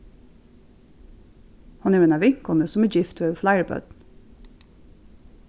hon hevur eina vinkonu sum er gift og hevur fleiri børn